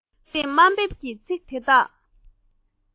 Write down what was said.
གལ སྲིད དམའ འབེབས ཀྱི ཚིག དེ དག